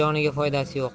joniga foydasi yo'q